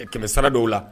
Kɛmɛsara dɔw' la